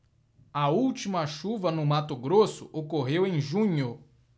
a última chuva no mato grosso ocorreu em junho